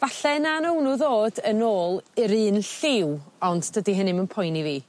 Falle 'na nown n'w ddod yn ôl i'r un lliw ond dydi hynny 'im yn poeni fi.